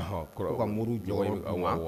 Ɔhɔ kɔrɔ o ka moriw awɔ